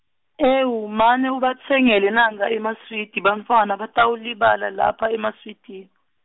ewu, mane ubatsengele nankha emaswidi bantfwana batawulibala lapha emaswidini.